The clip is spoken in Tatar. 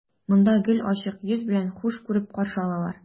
Монда гел ачык йөз белән, хуш күреп каршы алалар.